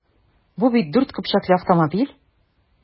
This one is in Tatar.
Бу бит дүрт көпчәкле автомобиль!